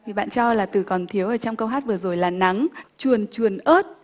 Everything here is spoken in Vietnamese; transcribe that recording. thì bạn cho là từ còn thiếu ở trong câu hát vừa rồi là nắng chuồn chuồn ớt